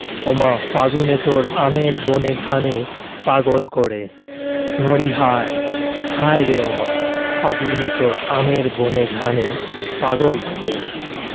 ওমা ফাগুনে তোর আমের বনে ঘ্রাণে পাগল করে মরিহায় হায়রে ওমা ফাগুনে তোর আমের বনে ঘ্রাণে পাগল করে